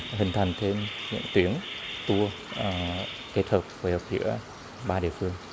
hình thành thêm những tuyến tour à kết hợp phối hợp giữa ba địa phương